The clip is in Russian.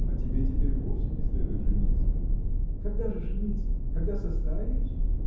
а тебе теперь вовсе не следует жениться. – Когда же жениться? Когда состареюсь?